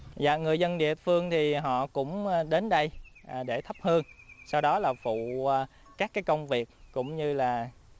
zà người dân địa phương thì họ cũng đến đây để thắp hương sau đó là phụ à các cái công việc cũng như là